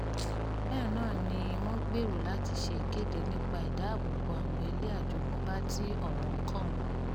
Bẹ́ẹ̀ náà ni wọ́n gbèrò láti ṣe ìkéde nípa ìdààbò bo àwọn ilé àjogúnbá tí ọ̀rán kàn.